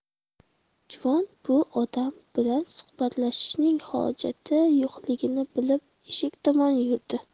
juvon bu odam bilan suhbatlashishning hojati yo'qligini bilib eshik tomon yurdi